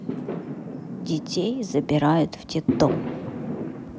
детей забирают в детдом